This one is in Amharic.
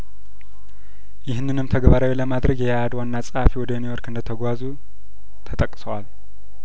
ይህንንም ተግባራዊ ለማድረግ የአአድ ዋና ጸሀፊ ወደ ኒውዮርክ እንደተጓዙ ተጠቅሷል